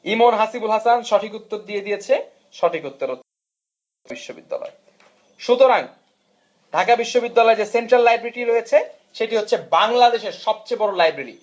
ইমন হাসিবুল হাসান সঠিক উত্তর দিয়ে দিয়েছে সঠিক উত্তর ঢাকা বিশ্ববিদ্যালয় সুতরাং ঢাকা বিশ্ববিদ্যালয়ের যে সেন্ট্রাল লাইব্রেরীটি রয়েছে সেটি হচ্ছে বাংলাদেশের সবচেয়ে বড় লাইব্রেরি